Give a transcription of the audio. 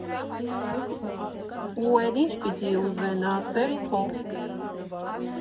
Ու էլ ի՞նչ պիտի ուզենա՝ սեր ու փող։